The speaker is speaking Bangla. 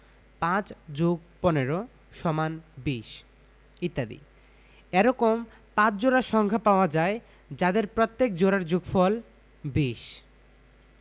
৫+১৫=২০ ইত্যাদি এরকম ৫ জোড়া সংখ্যা পাওয়া যায় যাদের প্রত্যেক জোড়ার যোগফল ২০